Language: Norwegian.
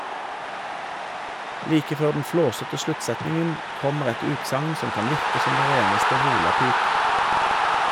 Like før den flåsete sluttsetningen, kommer et utsagn som kan virke som det reneste volapyk.